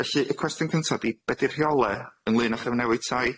Felly y cwestiwn cynta di be' di'r rheole ynglŷn â chyfnewid tai?